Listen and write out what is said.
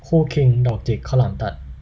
คู่คิงดอกจิกข้าวหลามตัด